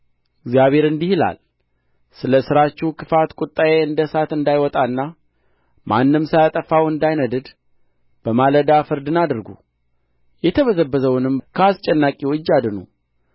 እግዚአብሔር እንዲህ ይላል ስለ ሥራችሁ ክፋት ቍጣዬ እንደ እሳት እንዳይወጣና ማንም ሳያጠፋው እንዳይነድድ በማለዳ ፍርድን አድርጉ የተበዘበዘውንም ከአስጨናቂው እጅ አድኑ